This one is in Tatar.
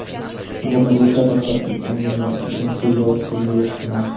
Гомерлеккә ташлап киттең мине, икенче ел сине юксынам.